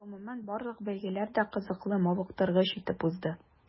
Гомумән, барлык бәйгеләр дә кызыклы, мавыктыргыч итеп узды.